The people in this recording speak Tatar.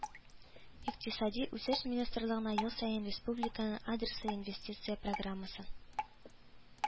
Икътисади үсеш министрлыгына ел саен республиканың адреслы инвестиция программасын